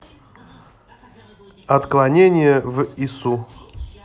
отклонение в ису